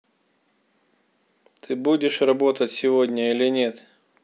ты будешь работать сегодня или нет